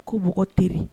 Ko bugɔgɔ teri